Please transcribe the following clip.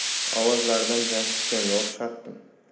ovozlaridan jamshidjonga o'xshatdim